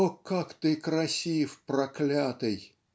О, как ты красив, проклятый!